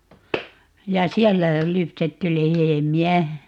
ja siellä lypsetty lehmiä